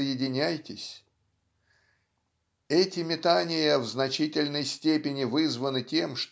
соединяйтесь!" Эти метания в значительной степени вызваны тем